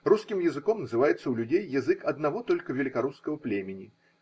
Русским языком называется у людей язык одного только великорусского племени